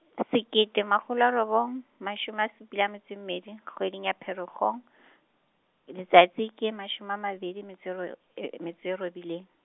sekete makgolo a robong, mashome a supileng a metso e mmedi, kgweding ya Pherekgong , letsatsi ke mashome a mabedi metso e roi- o-, e e metso e robileng.